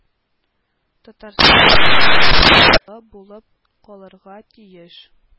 Татарстан дәүләт журналы булып калырга тиеш